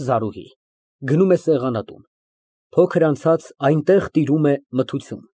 ԶԱՐՈՒՀԻ ֊ Գնում է սեղանատուն։ Փոքր անցած, այստեղ տիրում է մթություն։